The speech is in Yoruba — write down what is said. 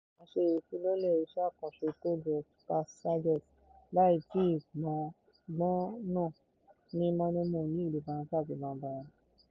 A ṣe ìfilọ́lẹ̀ iṣẹ́ àkànṣe Toujours Pas Sages (Láì tíì gbọ́n náà) ní Maneno, ní èdè Faransé àti Bambara.